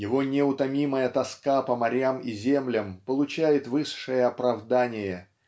его неутомимая тоска по морям и землям получает высшее оправдание